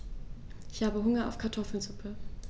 Ich habe Hunger auf Kartoffelsuppe.